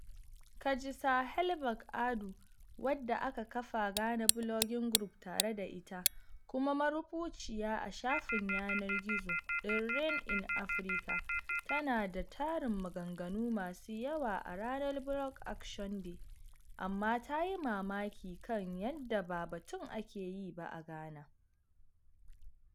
Kajsa Hallberg Adu, wadda aka kafa Ghana Blogging Group tare da ita, kuma marubuciya a shafin yanar gizo ɗin Rain In Africa, tana da tarin maganganu masu yawa a ranar Blog Action Day, amma ta yi mamaki kan "yanda ba batun ake yi ba a Ghana."